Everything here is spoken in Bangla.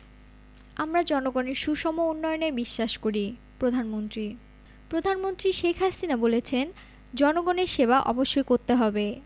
আমরা জনগণের সুষম উন্নয়নে বিশ্বাস করি প্রধানমন্ত্রী প্রধানমন্ত্রী শেখ হাসিনা বলেছেন জনগণের সেবা অবশ্যই করতে হবে